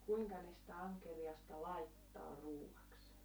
kuinka ne sitä ankeriasta laittaa ruuaksi